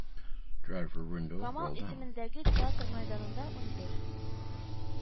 Камал исемендәге театр мәйданында унбер